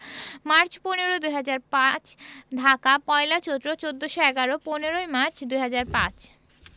March ১৫ ২০০৫ Dhaka পহেলা চৈত্র ১৪১১ ১৫ই মার্চ ২০০৫